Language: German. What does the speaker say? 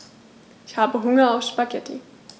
Ich habe Hunger auf Spaghetti.